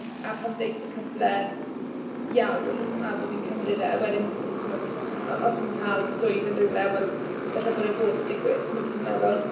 A pan ddeith y cyfle iawn a bod fi'n cymryd e wedyn fi, timod... a os fi'n cael swydd yn rywle, wel falle bod e fod digwydd, timod beth fi'n meddwl?